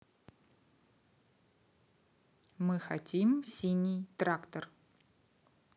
мы хотим синий трактор